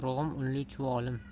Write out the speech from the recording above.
urug'im unli chuvolim